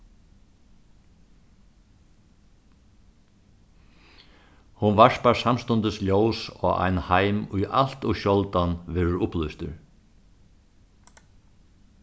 hon varpar samstundis ljós á ein heim ið alt ov sjáldan verður upplýstur